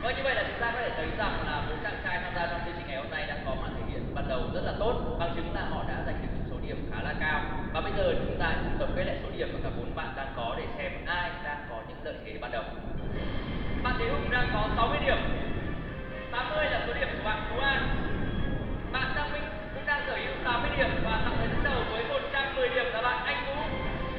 vâng như vậy là chúng ta có thể thấy rằng là bốn chàng trai tham gia trong chương trình ngày hôm nay đã có màn thể hiện ban đầu rất là tốt bằng chứng là họ đã giành được những số điểm khá là cao và bây giờ chúng ta cùng tổng kết lại số điểm mà cả bốn bạn đang có để xem ai đang có những lợi thế ban đầu bạn thế hùng đang có sáu mươi điểm tám mươi là số điểm của bạn tú an bạn giang minh cũng đang sở hữu tám điểm và tạm thời dẫn đầu với một trăm mười điểm là bạn anh vũ